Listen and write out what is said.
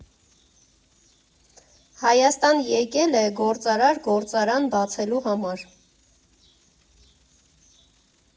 Հայաստան եկել է գործարար գործարան բացելու համար։